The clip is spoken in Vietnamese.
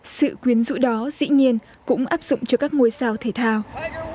sự quyến rũ đó dĩ nhiên cũng áp dụng cho các ngôi sao thể thao